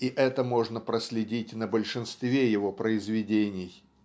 И это можно проследить на большинстве его произведений.